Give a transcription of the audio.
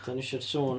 Ydan ni isio'r sŵn?